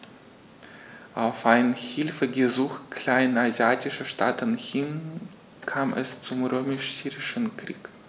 Auf ein Hilfegesuch kleinasiatischer Staaten hin kam es zum Römisch-Syrischen Krieg.